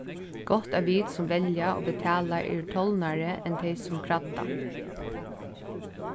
gott at vit sum velja og betala eru tolnari enn tey sum kradda